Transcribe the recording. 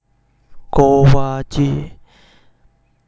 โกวาจี